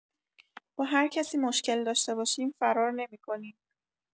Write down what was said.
با هرکسی مشکل داشته باشیم فرار نمی‌کنیم!